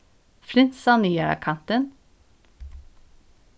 frynsa niðara kantin